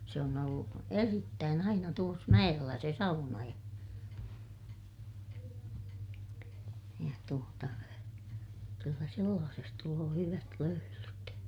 se on ollut erittäin aina tuossa mäellä se sauna ja ja tuota kyllä sellaisessa tulee hyvät löylyt